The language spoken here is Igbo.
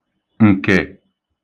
ǹkè